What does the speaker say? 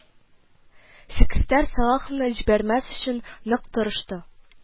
Секретарь Салаховны җибәрмәс өчен нык тырышты